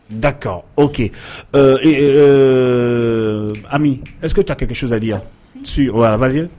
Da ka oke ami ɛs ta kɛ kɛ sosandi yan su o ararabase